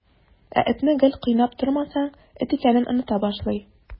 Ә этне гел кыйнап тормасаң, эт икәнен оныта башлый.